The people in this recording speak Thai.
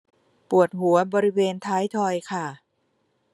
ปวดหัวบริเวณท้ายทอยค่ะ